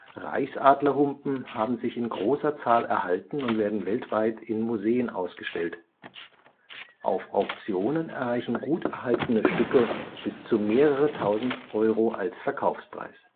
Reichsadlerhumpen haben sich in großer Zahl erhalten und werden weltweit in Museen ausgestellt. Auf Auktionen erreichen gut erhaltene Stücke bis zu mehrere tausend Euro als Verkaufspreis